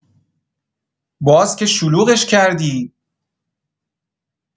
باز که شلوغش کردی؟